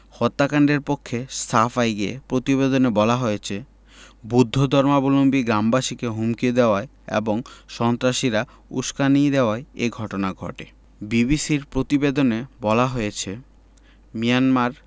হত্যাকাণ্ডের পক্ষে সাফাই গেয়ে প্রতিবেদনে বলা হয়েছে বৌদ্ধ ধর্মাবলম্বী গ্রামবাসীকে হুমকি দেওয়ায় এবং সন্ত্রাসীরা উসকানি দেওয়ায় এ ঘটনা ঘটে বিবিসির প্রতিবেদনে বলা হয়েছে মিয়ানমার